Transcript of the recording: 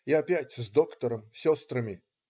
И опять с доктором, сестрами".